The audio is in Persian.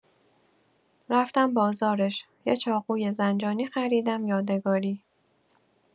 رفتم بازارش، یه چاقوی زنجانی خریدم یادگاری.